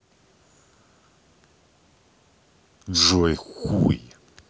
джой хуй